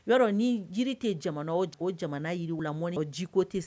O y' dɔn ni jiri tɛ jamana o jamana yiriwula mɔn o jiko tɛ se